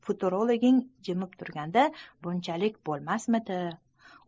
futurologing jimib turganda bunchalik bo'lmasmidi